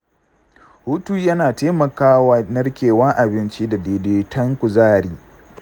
hutu yana taimakawa narkewar abinci da daidaiton kuzari.